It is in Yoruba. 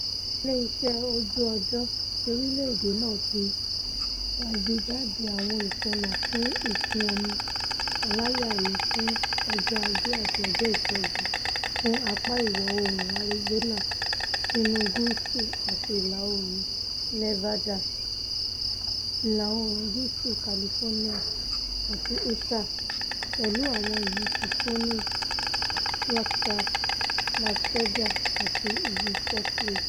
Ilé-iṣẹ́ Ojú-ọjọ́ ti orílẹ̀-èdè náà ti ṣàgbéjáde àwọn ìṣọ́nà fún ìkún-omi aláyalù fún ọjọ́ Ajé àti ọjọ́ Ìṣẹ́gun fún apà ìwọ-oòrùn Arizona sínu gúùsù àti ìlà-oòrùn Nevada, ìlà-oòrùn gúúsù California àti Utah, pẹ̀lú àwọn ìlú ti Phoenix. Flagstaff, Las Vegas, àti Ìlú Salt Lake.